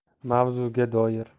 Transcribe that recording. mavzuga doir